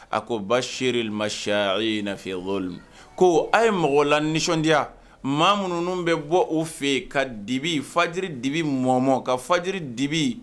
A ko ba se ma siya ale ye lafiya yɔrɔ ko a ye mɔgɔ la nisɔndiyaya maa minnu bɛ bɔ o fɛ yen ka dibi fajiri dibi mɔ mɔ ka fajiri dibi